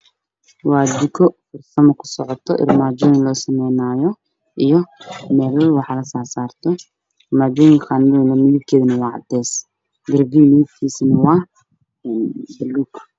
waa jiko farsamad ku socto